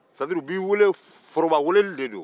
sa dire u b'i wele foroba weleli de don